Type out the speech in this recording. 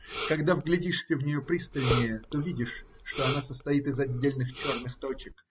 Когда вглядишься в нее пристальнее, то видишь, что она состоит из отдельных черных точек.